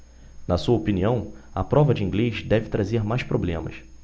na sua opinião a prova de inglês deve trazer mais problemas